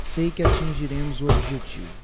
sei que atingiremos o objetivo